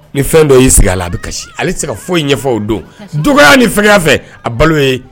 Ni fɛn dɔ y'i sigi a la a bɛ kasi ale se ka foyi ɲɛfɔw don dɔgɔya ni fɛnya fɛ a balo ye